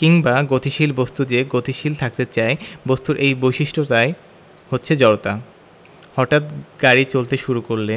কিংবা গতিশীল বস্তু যে গতিশীল থাকতে চায় বস্তুর এই বৈশিষ্ট্যটাই হচ্ছে জড়তা হঠাৎ গাড়ি চলতে শুরু করলে